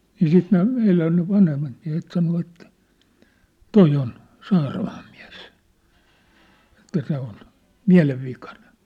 niin sitten ne meidän ne vanhemmat miehet sanoi että tuo on Saaramaan mies että se on mielenvikainen